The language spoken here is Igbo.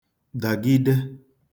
dàgide